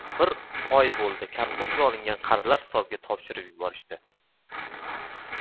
bir oy bo'ldi kolxozga olingan qarzlar hisobiga topshirib yuborishdi